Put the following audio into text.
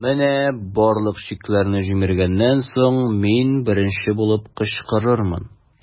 Менә барлык чикләрне җимергәннән соң, мин беренче булып кычкырырмын.